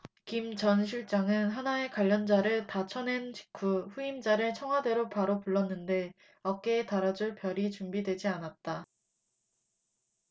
김 전 실장은 하나회 관련자를 다 쳐낸 직후 후임자를 청와대로 바로 불렀는데 어깨에 달아줄 별이 준비되지 않았다